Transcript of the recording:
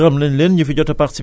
vraiment gox bi ñuy intervenir